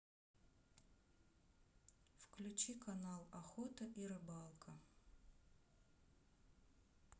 включи канал охота и рыбалка